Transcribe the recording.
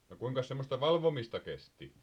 no kuinkas semmoista valvomista kesti